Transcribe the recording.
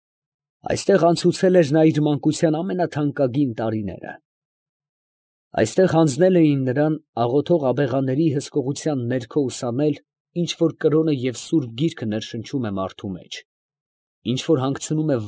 Այստեղ անցուցել էր նա իր մանկության ամենաթանկագին տարիները. այստեղ հանձնել էին նրան աղոթող աբեղաների հսկողության ներքո ուսանել՝ ինչ որ կրոնը և սուրբ գիրքը ներշնչում է մարդու մեջ, ինչ որ հանգցնում է։